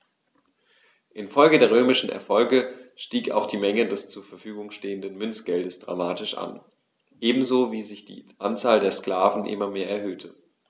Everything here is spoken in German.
Infolge der römischen Erfolge stieg auch die Menge des zur Verfügung stehenden Münzgeldes dramatisch an, ebenso wie sich die Anzahl der Sklaven immer mehr erhöhte.